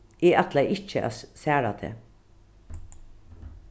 eg ætlaði ikki at særa teg